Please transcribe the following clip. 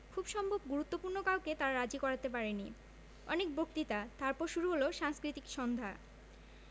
খুব সম্ভব গুরুত্বপূর্ণ কাউকে তারা রাজি করাতে পারেনি অনেক বক্তৃতা তার পর শুরু হল সাংস্কৃতিক সন্ধ্যা